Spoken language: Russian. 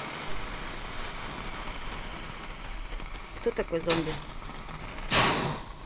кто такой зомби